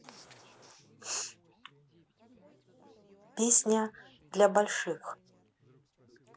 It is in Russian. песня для больших